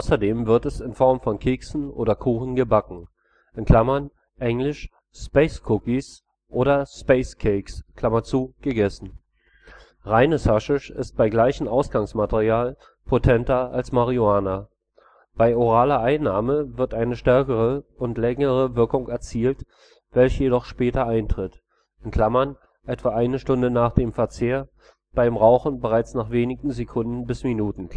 Außerdem wird es, in Form von Keksen oder Kuchen gebacken (engl.: Space-Cookies und Space-Cakes), gegessen. Reines Haschisch ist bei gleichem Ausgangsmaterial potenter als Marihuana. Bei oraler Einnahme wird eine stärkere oder längere Wirkung erzielt, welche jedoch später eintritt (etwa eine Stunde nach dem Verzehr, beim Rauchen bereits nach wenigen Sekunden bis Minuten